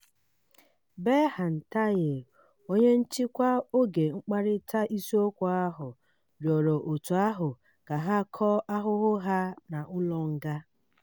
Berhan Taye, onye nchịkwa oge mkpakọrịta isiokwu ahụ, rịọrọ òtù ahụ ka ha kọọ ahụmahụ ha n'ụlọ nga.